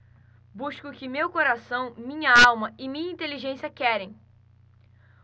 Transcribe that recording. busco o que meu coração minha alma e minha inteligência querem